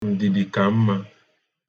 Ndidi ka mma.